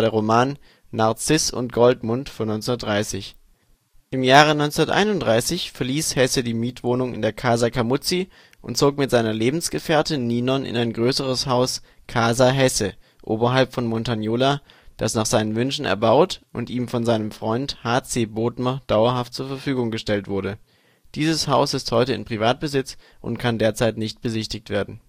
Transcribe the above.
Roman " Narziß und Goldmund " von 1930. Im Jahre 1931 verließ Hesse die Mietwohnung in der Casa Camuzzi und zog mit seiner Lebensgefährtin Ninon in ein größeres Haus (Casa Hesse) oberhalb von Montagnola, das nach seinen Wünschen erbaut und ihm von seinem Freund H.C. Bodmer dauerhaft zur Verfügung gestellt wurde. Dieses Haus ist heute in Privatbesitz und kann derzeit nicht besichtigt werden